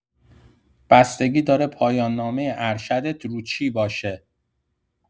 بستگی داره پایان‌نامه ارشدت رو چی باشه